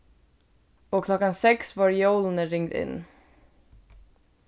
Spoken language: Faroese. og klokkan seks vórðu jólini ringd inn